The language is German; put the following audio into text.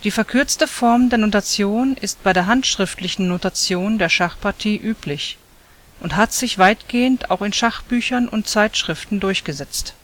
verkürzte Form der Notation ist bei der handschriftlichen Notation der Schachpartie üblich und hat sich weitgehend auch in Schachbüchern und - zeitschriften durchgesetzt